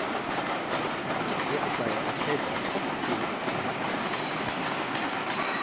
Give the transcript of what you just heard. eg ætlaði at keypa eitt hálvt kilo av laksi